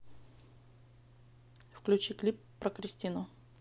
включи клип про кристину